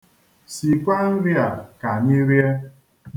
Sikwaa nri a ka anyị rie.